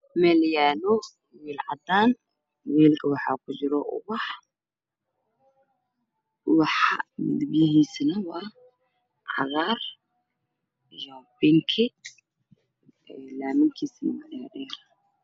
wel yalo cadan welka waxakujiro ubax ubax midab yihisuna waa Nagar iyo banking